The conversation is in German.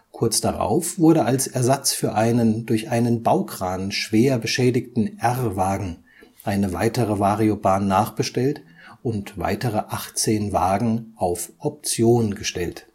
Kurz darauf wurde als Ersatz für einen durch einen Baukran schwer beschädigten R-Wagen eine weitere Variobahn nachbestellt und weitere 18 Wagen auf Option gestellt